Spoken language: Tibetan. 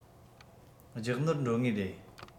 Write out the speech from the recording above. རྒྱག ནོར འགྲོ ངེས རེད